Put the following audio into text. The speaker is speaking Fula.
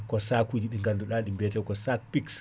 ko sahuji ɗi ganduɗa ɗi biyate ko sac pixe